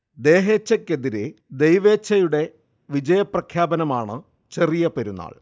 ദേഹേച്ഛക്കെതിരെ ദൈവേച്ഛയുടെ വിജയ പ്രഖ്യാപനമാണ് ചെറിയ പെരുന്നാൾ